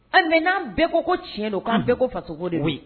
An mɛ n'an bɛɛ ko ko tiɲɛ don k'an bɛɛ ko fasoko de koyi yen